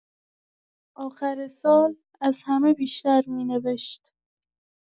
آخر سال، از همه بیشتر می‌نوشت.